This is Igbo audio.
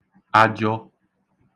ajọ̄